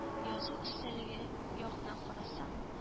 Язу өстәлеге ягына карасам